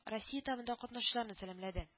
Россия этабында катнашучыларны сәламләде